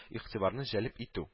Игътибарны җәлеп итү